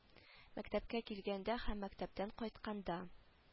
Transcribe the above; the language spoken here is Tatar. Мәктәпкә килгәндә һәм мәктәптән кайтканда